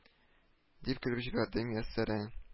Дип көлеп җибәрде мияссәрә